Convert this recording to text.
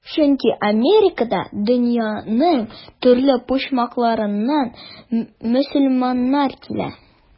Чөнки Америкага дөньяның төрле почмакларыннан мөселманнар килә.